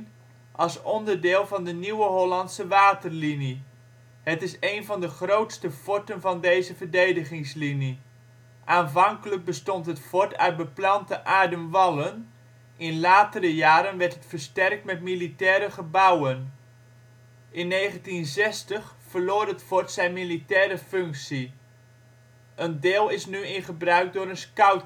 onderdeel van de Nieuwe Hollandse Waterlinie. Het is één van de grootste forten van deze verdedigingslinie. Aanvankelijk bestond het fort uit beplante aarden wallen. In latere jaren werd het versterkt met militaire gebouwen. In 1960 verloor het fort zijn militaire functie. Een deel is nu in gebruik door een scouting-groep